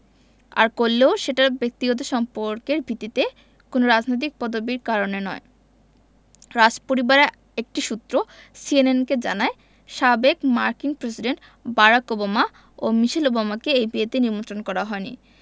আর করলেও সেটার ব্যক্তিগত সম্পর্কের ভিত্তিতে কোনো রাজনৈতিক পদবির কারণে নয় রাজপরিবারের একটি সূত্র সিএনএনকে জানায় সাবেক মার্কিন প্রেসিডেন্ট বারাক ওবামা ও মিশেল ওবামাকে এই বিয়েতে নিমন্ত্রণ করা হয়নি